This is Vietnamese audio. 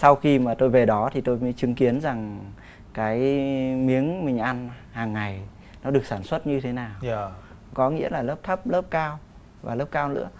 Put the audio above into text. sau khi mà tôi về đó thì tôi mới chứng kiến rằng cái miếng mình ăn hằng ngày nó được sản xuất như thế nào nhờ có nghĩa là lớp thấp lớp cao và lớp cao nữa